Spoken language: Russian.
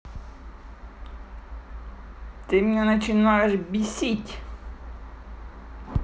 ты меня начинаешь бесить